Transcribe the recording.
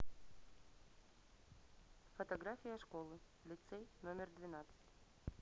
фотография школы лицей номер двенадцать